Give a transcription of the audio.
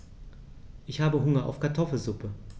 Ich habe Hunger auf Kartoffelsuppe.